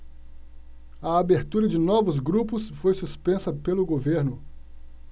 a abertura de novos grupos foi suspensa pelo governo